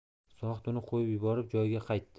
zohid uni qo'yib yuborib joyiga qaytdi